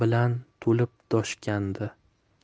bilan to'lib toshgandi